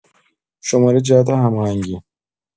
شماره جهت هماهنگی